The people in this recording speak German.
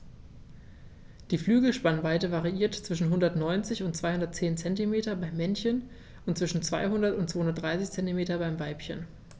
Die Flügelspannweite variiert zwischen 190 und 210 cm beim Männchen und zwischen 200 und 230 cm beim Weibchen.